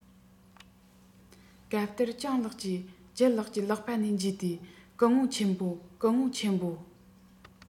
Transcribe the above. སྐབས དེར སྤྱང ལགས ཀྱིས ལྗད ལགས ཀྱི ལག པ ནས འཇུས ཏེ སྐུ ངོ ཆེན མོ སྐུ ངོ ཆེན མོ